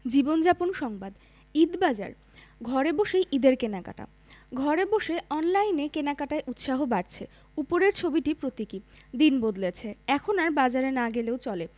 জীবনযাপনসংবাদ ঈদবাজার ঘরে বসেই ঈদের কেনাকাটা ঘরে বসে অনলাইনে কেনাকাটায় উৎসাহ বাড়ছে উপরের ছবিটি প্রতীকী দিন বদলেছে এখন আর বাজারে না গেলেও চলে